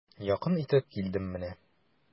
Якын итеп килдем менә.